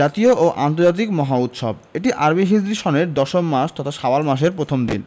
জাতীয় ও আন্তর্জাতিক মহা উৎসব এটি আরবি হিজরি সনের দশম মাস তথা শাওয়াল মাসের প্রথম দিন